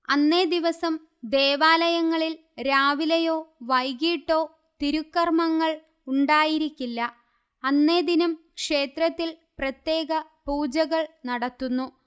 അന്നേ ദിവസം ദേവാലയങ്ങളിൽ രാവിലെയോ വൈകീട്ടോ തിരുക്കർമ്മങ്ങൾ ഉണ്ടായിരിക്കില്ല അന്നേ ദിനം ക്ഷേത്രത്തിൽ പ്രത്യേക പൂജകൾ നടത്തുന്നു